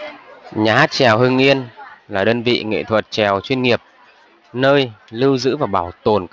nhà hát chèo hưng yên là đơn vị nghệ thuật chèo chuyên nghiệp nơi lưu giữ bảo tồn